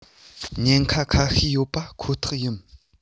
ཉེན ཁ ཁ ཤས ཡོད པ ཁོ ཐག ཡིན